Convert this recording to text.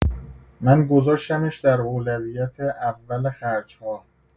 من گذاشتمش در اولویت اول خرج‌ها.